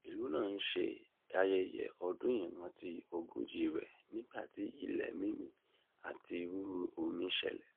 Ìlú náà ń ṣe ayẹyẹ ọdún ìrántí ogójì rẹ̀ Nígbà tí ilẹ̀ mímì àti rúrú omi ṣẹlẹ̀.